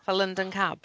Fel London Cab.